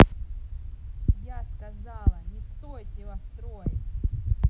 я сказала не стойте острой